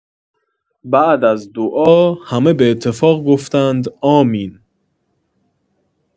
بعد از دعا، همه به اتفاق گفتند: آمین.